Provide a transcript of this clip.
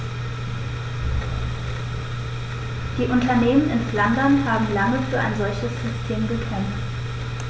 Die Unternehmen in Flandern haben lange für ein solches System gekämpft.